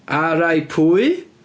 RI Pwy?